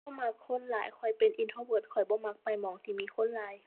บ่มักคนหลายข้อยเป็น introvert ข้อยบ่มักไปหม้องที่มีคนหลาย